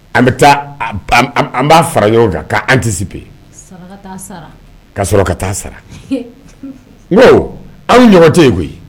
An bɛ taa an b'a fara ɲɔgɔn kan k'an tɛsi pe saraka sara ka sɔrɔ ka taa sara ko anw ɲɔ tɛ yen koyi koyi